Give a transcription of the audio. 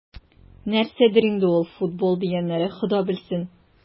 Нәрсәдер инде "футбол" дигәннәре, Хода белсен...